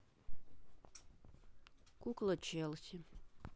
кукла челси